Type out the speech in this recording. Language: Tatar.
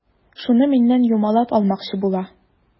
Шуны миннән юмалап алмакчы була.